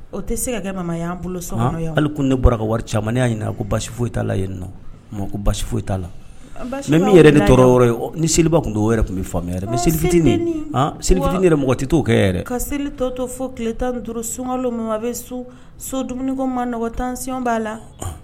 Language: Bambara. O tɛ se ka ma y'an bolo hali kun ne bɔra ka wari camanmani y'a ɲini ko basi foyi t la yen nɔn ko basi foyi t la mɛ min yɛrɛ de tɔɔrɔ yɔrɔ ye ni seliliba tun don o tun bɛ faamu mɛ selitinin selifitinin yɛrɛ mɔgɔ tɛ t' kɛ yɛrɛ ka seli to to fo tile tan ni duuru sunkalo min ma sodkoma nɔgɔ tansiyɔn' la